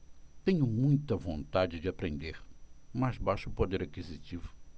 tenho muita vontade de aprender mas baixo poder aquisitivo